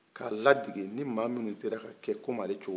k'a ladege ni mɔgɔ minnu sera ka kɛ kɔmi ale cogo